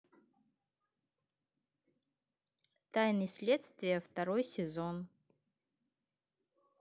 тайны следствия второй сезон